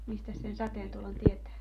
mistäs sen sateen tulon tietää